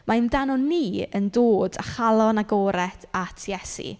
Mae amdano ni yn dod â chalon agored at Iesu.